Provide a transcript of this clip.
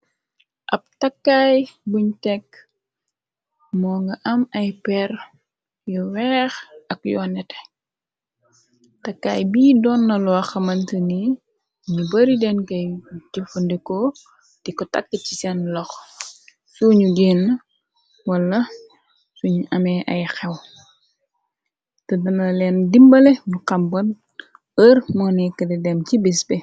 Ab takkaay buñ tekk moo nga am ay peer yu weex ak yoo nete takaay bii doon na loo xamante ni ñu bari deen kay jëfandekoo di ko tàkk ci seen lox suñu jeen wala suñu amee ay xew te dana leen dimbale mu xamban ër moneekate dem ci bis be.